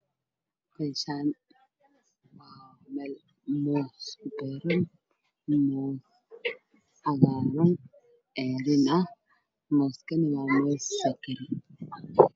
Meeshaan waxaa fadhiyaan sadex wiilal iyo sadex gabdho oo yar yar